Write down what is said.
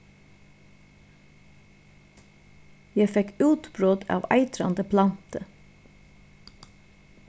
eg fekk útbrot av eitrandi plantu